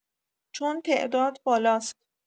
چون تعداد بالاست